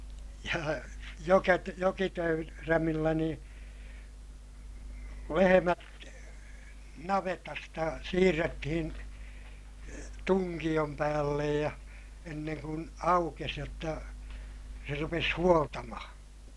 ja -- jokitöyrämillä niin lehmät navetasta siirrettiin tunkion päälle ja ennen kuin aukesi jotta se rupesi huoltamaan